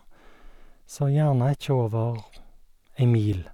Så gjerne ikke over ei mil.